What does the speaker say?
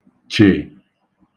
chè